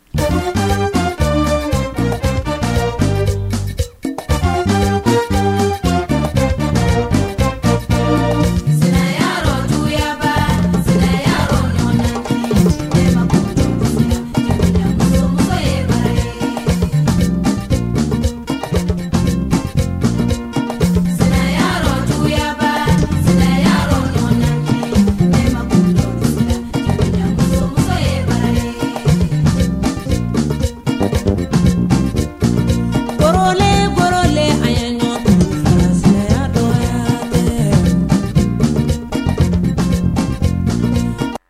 Yaya foro